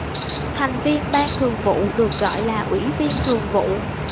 thành viên ban thường vụ được gọi là ủy viên thường vụ